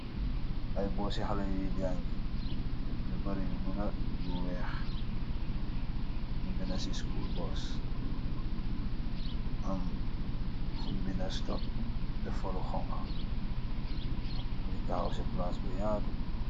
Ay bus ci haley yuy jangi yu bari yu bulo yu weeh ñu binda ci school bus am fuñ binda stop def fa lu honkha mungi tahaw ci palaas bu yaatu.